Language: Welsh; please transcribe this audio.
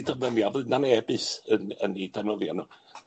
'di defnyddio b- ma' na neb byth yn yn 'u defnyddio nw.